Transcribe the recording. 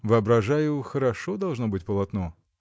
– Воображаю, хорошо должно быть полотно.